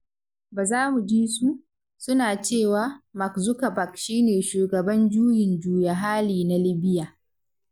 Ba za mu ji su, suna cewa: ''Mark Zuckerberg shi ne shigaban juyin juya hali na Libya''.